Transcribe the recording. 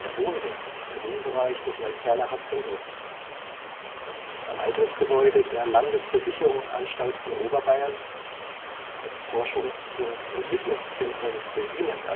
Wohnring (Wohnbereich des Neuperlacher Zentrums) / Architekten: Bernt Lauter und Manfred Zimmer / 1974 – 1978 Verwaltungsgebäude der Landesversicherungsanstalt von Oberbayern (heute DRV Bayern Süd) / Architekt: Alexander Freiherr von Branca Forschungs - und Entwicklungszentrum der Siemens